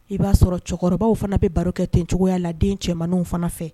I b'a sɔrɔ cɛkɔrɔbaw fana bɛ baro kɛ tencogoya la den cɛmanw fana fɛ